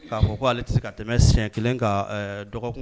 K ko ko ale tɛ se ka tɛmɛ siɲɛ kelen ka dɔgɔkun